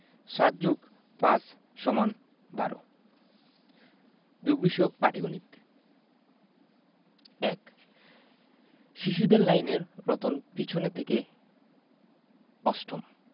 ৭+৫ = ১২ যোগ বিষয়ক পাটিগনিতঃ ১ শিশুদের লাইনের রতন পিছন থেকে অষ্টম